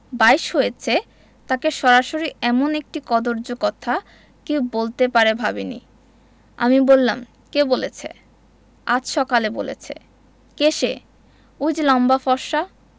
বাইশ হয়েছে তাকে সরাসরি এমন একটি কদৰ্য কথা কেউ বলতে পারে ভাবিনি আমি বললাম কে বলেছে আজ সকালে বলেছে কে সে ঐ যে লম্বা ফর্সা